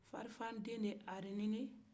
farfan den de ye arni ye